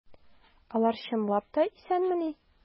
Алар чынлап та исәнмени?